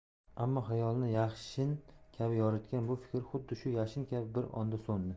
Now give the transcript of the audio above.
ammo xayolini yashin kabi yoritgan bu fikr xuddi shu yashin kabi bir onda so'ndi